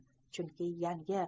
chunki yangi